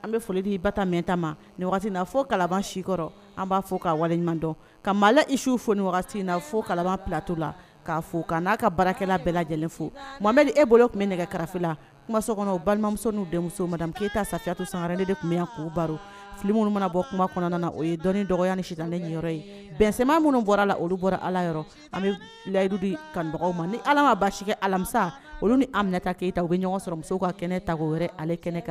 An bɛ foli fo si an b' ka fo fo tu la k'a fɔ n'a ka barakɛ bɛɛ lajɛlen fo e bolo tun bɛ nɛgɛ karala so kɔnɔ balimamuso denmuso maden k keyita sayatu sanga ne de tun bɛ baro fili minnu mana bɔ kuma kɔnɔna o ye dɔn dɔgɔya ni silen niyɔrɔ ye bɛnsɛman minnu bɔra la olu bɔra ala yɔrɔ an bɛ layidu kanu dɔgɔ ma ni ala ma basi si kɛ alamisa olu ni an minɛ keyita ta u bɛ ɲɔgɔn sɔrɔ musow ka kɛnɛ ta o yɛrɛ ale kɛnɛ kan